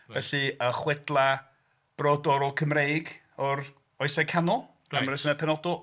Felly y chwedlau brodorol Cymreig o'r Oesau Canol... Reit... Am resymau penodol.